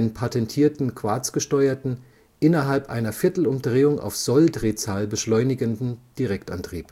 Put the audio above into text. patentierten quartzgesteuerten, innerhalb einer Viertelumdrehung auf Solldrehzahl beschleunigenden Direktantrieb